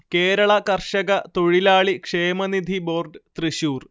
കേരള കർഷക തൊഴിലാളി ക്ഷേമനിധി ബോർഡ് തൃശ്ശൂർ